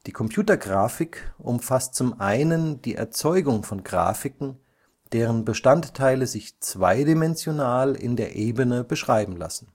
Computergrafik umfasst zum einen die Erzeugung von Grafiken, deren Bestandteile sich zweidimensional in der Ebene beschreiben lassen